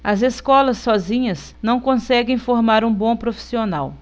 as escolas sozinhas não conseguem formar um bom profissional